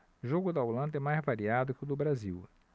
jogo da holanda é mais variado que o do brasil